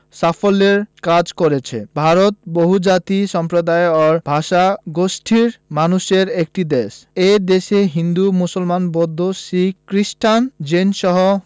সাফল্যের কাজ করছে ভারত বহুজাতি সম্প্রদায় ও ভাষাগোষ্ঠীর মানুষের একটি দেশ এ দেশে হিন্দু মুসলমান বৌদ্ধ শিখ খ্রিস্টান জৈনসহ